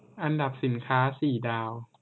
อันดับสินค้าสี่ดาว